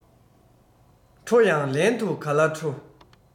ཁྲོ ཡང ལན དུ ག ལ ཁྲོ